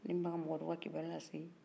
nin min b'a ka mɔgɔ don a ka kibaruya lase